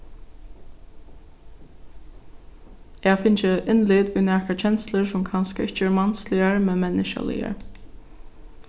eg havi fingið innlit í nakrar kenslur sum kanska ikki eru mansligar men menniskjaligar